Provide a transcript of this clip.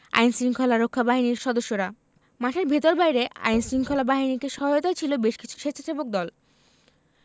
আইনশৃঙ্খলা রক্ষা বাহিনীর সদস্যরা মাঠের ভেতর বাইরে আইনশৃঙ্খলা বাহিনীকে সহায়তায় ছিল বেশ কিছু স্বেচ্ছাসেবক দল